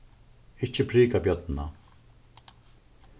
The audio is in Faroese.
ikki prika bjørnina